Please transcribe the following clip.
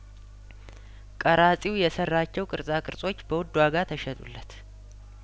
ቀራጺው የሰራቸው ቅርጻ ቅርጾች በውድ ዋጋ ተሸጡለት